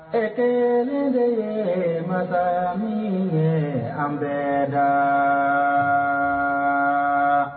Ɛ tile le ye ma min an bɛ la